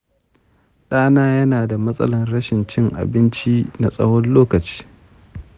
ɗana yana da matsalar rashin cin abinci na tsawon lokaci.